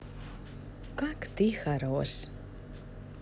как ты хорош